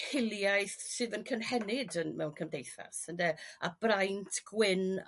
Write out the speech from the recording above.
hiliaeth sydd yn cynhenid yn mewn cymdeithas ynde? A braint gwyn